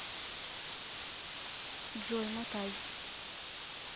джой мотай